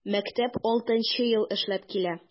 Мәктәп 6 нчы ел эшләп килә.